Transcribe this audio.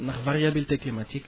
ndax variabilité climatique